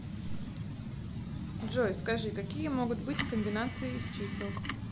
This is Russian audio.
джой скажи какие могут быть комбинации из чисел